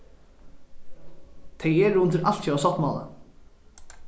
tey eru undir altjóða sáttmála